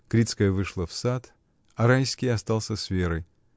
Крицкая вышла в сад, а Райский остался с Верой.